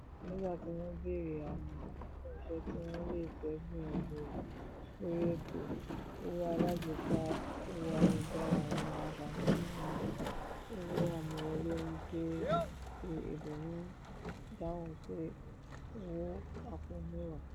Nígbà tí wọ́n béèrè àwọn àlékún iṣẹ́ tí wọ́n lè fẹ́ gbìyànjú ẹ̀ lórí ètò owó alágbèéká orí ayélujára, àwọn aṣàmúlò tí owó àmúwọlé wọn kéré fi ìdùnnú dáhùn pé fífi owó pamọ́ (65%).